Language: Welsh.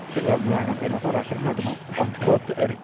bydd angen pennod arall ar hwnna dwi'n meddwl! Ond bod yr...